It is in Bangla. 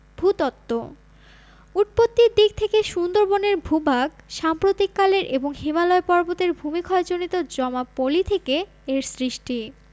ভূতত্ত্বঃ উৎপত্তির দিক থেকে সুন্দরবনের ভূভাগ সাম্প্রতিককালের এবং হিমালয় পর্বতের ভূমিক্ষয়জনিত জমা পলি থেকে এর সৃষ্টি